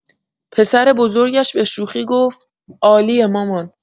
پسربزرگش به‌شوخی گفت: عالیه مامان!